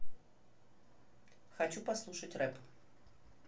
хочу послушать рэп